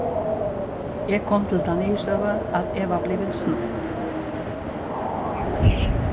eg kom til ta niðurstøðu at eg var blivin snýtt